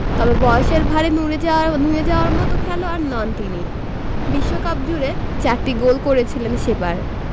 তবে বয়সের ভাঁড়ে নুয়ে যাওয়ার মতো খেলোয়াড় নন তিনি বিশ্বকাপজুড়ে চারটি গোল করেছিলেন সেবার